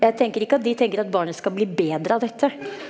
jeg tenker ikke at de tenker at barnet skal bli bedre av dette.